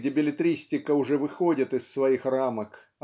где беллетристика уже выходит из своих рамок